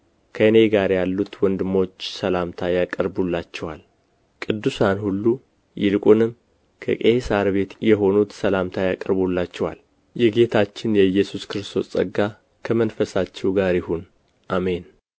ከእኔ ጋር ያሉቱ ወንድሞች ሰላምታ ያቀርቡላችኋል ቅዱሳን ሁሉ ይልቁንም ከቄሣር ቤት የሆኑቱ ሰላምታ ያቀርቡላችኋል የጌታችን የኢየሱስ ክርስቶስ ጸጋ ከመንፈሳችሁ ጋር ይሁን አሜን